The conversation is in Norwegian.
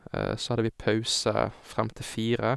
Så hadde vi pause frem til fire.